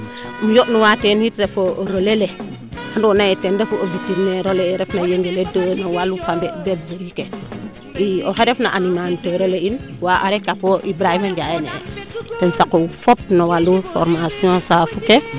im yond nuwaa teen refe relée le ando naye ten ref o veterinaire ole ref na Yengele 2 na walu pambe no walu bergerie ke i oxe refna animateur ole wa arret kapo Ibrahima Ndiaye a ne'e saqu fop no walu formation saafu ke ']v./}